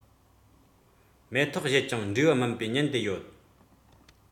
མེ ཏོག བཞད ཅིང འབྲས བུ སྨིན པའི ཉིན དེ ཡོད